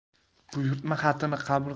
buyurtma xatni qabul